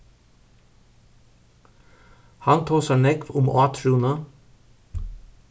hann tosar nógv um átrúnað